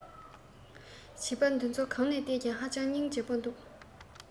བྱིས པ འདི ཚོ གང ནས ལྟས ཀྱང ཧ ཅང རྙིང རྗེ པོ འདུག